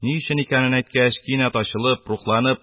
Ни өчен икәнен әйткәч, кинәт ачылып, рухланып: